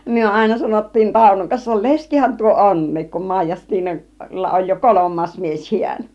me aina sanottiin Taunon kanssa leskihän tuo onkin kun - Maijastiinalla on jo kolmas mies hän